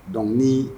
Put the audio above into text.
Donc nii